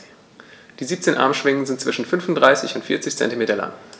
Die 17 Armschwingen sind zwischen 35 und 40 cm lang.